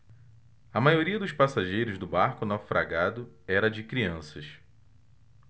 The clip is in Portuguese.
a maioria dos passageiros do barco naufragado era de crianças